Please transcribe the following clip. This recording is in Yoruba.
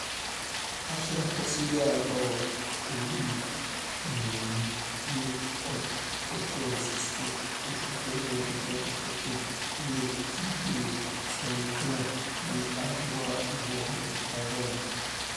A ṣe àkọsílẹ̀ àlọ́ Orí Erinmi ní ọjọ́ 16, oṣù Belu, ọdún 2014, ní etídò Songkran ní àríwá-ìwọ̀-oòrùn Thailand.